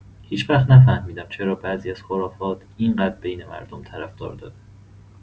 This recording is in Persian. هیچوقت نفهمیدم چرا بعضی از خرافات این‌قدر بین مردم طرفدار داره.